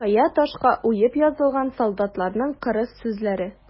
Кыя ташка уеп язылган солдатларның кырыс сүзләре.